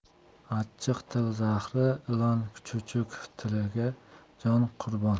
achchiq til zahri ilon chuchuk tilga jon qurbon